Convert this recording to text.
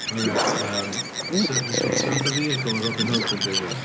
Oce yym s- disgwyl. Sut fath o vehicle ma' Robin Hood yn dreifio?